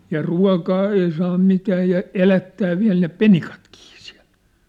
ja ruokaa ei saa mitään ja elättää vielä ne penikatkin siellä